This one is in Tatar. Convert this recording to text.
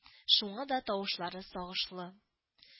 Шуңа да тавышлары сагышлы